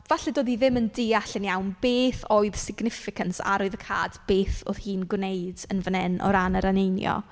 Falle doedd hi ddim yn deall yn iawn beth oedd significance, arwyddocad beth oedd hi'n gwneud yn fan hyn o ran yr eneinio.